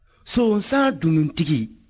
sonsan dununtigi